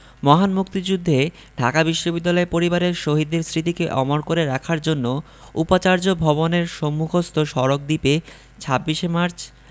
মহান মুক্তিযুদ্ধে ঢাকা বিশ্ববিদ্যালয় পরিবারের শহীদদের স্মৃতিকে অমর করে রাখার জন্য উপাচার্য ভবনের সম্মুখস্থ সড়ক দ্বীপে ২৬ মার্চ